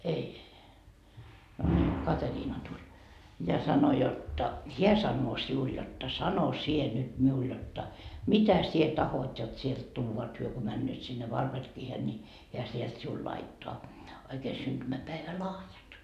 ei no niin Kateriina tuli ja sanoi jotta hän sanoo sinulle jotta sano sinä nyt minulle jotta mitä sinä tahdot jotta sieltä tuodaan että he kun menevät sinne Varbergiin niin hän sieltä sinulle laittaa oikein syntymäpäivälahjat